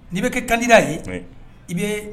N'i bɛ kɛ kandira ye i bɛ